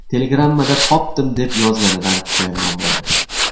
telegrammada topdim deb yozganidan pushaymon bo'ldi